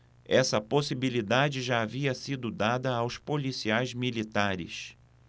essa possibilidade já havia sido dada aos policiais militares